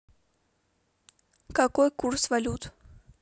какой курс валют